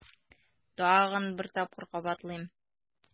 Тагын бер тапкыр кабатлыйм: